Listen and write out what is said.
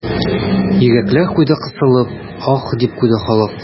Йөрәкләр куйды кысылып, аһ, дип куйды халык.